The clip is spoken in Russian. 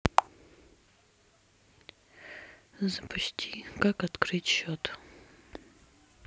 запусти как открыть счет